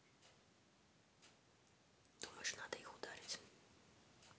думаешь надо их ударить